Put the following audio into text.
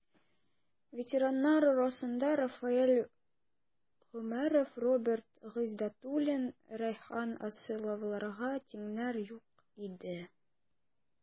Ветераннар арасында Рафаэль Гомәров, Роберт Гыйздәтуллин, Рәйхан Асыловларга тиңнәр юк иде.